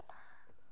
Na.